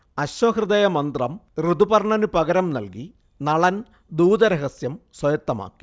അശ്വഹൃദയമന്ത്രം ഋതുപർണനു പകരം നൽകി നളൻ ദൂതരഹസ്യം സ്വായത്തമാക്കി